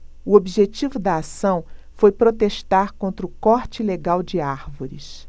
o objetivo da ação foi protestar contra o corte ilegal de árvores